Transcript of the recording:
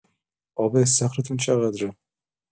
آب استخرتون چقدره؟